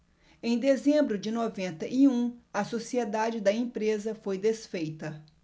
em dezembro de noventa e um a sociedade da empresa foi desfeita